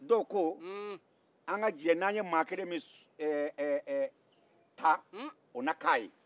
dɔw ko an ka jɛ n'an ye maa kelen min ta o na k'a ye